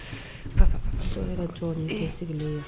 Yɛrɛ sigilen ye